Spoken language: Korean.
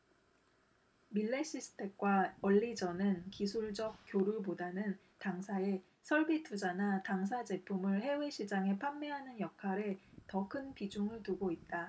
밀레시스텍과 얼리젼은 기술적 교류 보다는 당사에 설비 투자나 당사 제품을 해외시장에 판매하는 역할에 더 큰 비중을 두고 있다